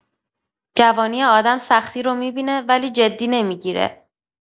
جوانی آدم سختی رو می‌بینه، ولی جدی نمی‌گیره.